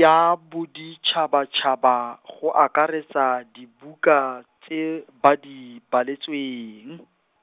ya boditšhabatšhaba go akaretsa dibuka tse ba di baletsweng.